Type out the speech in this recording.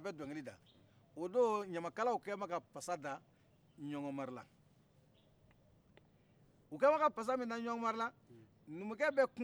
ɲɔngɔn mari la u kɛlen bɛ ka pasa min da ɲɔngɔn mari la numukɛ bɛ kungo kɔnɔ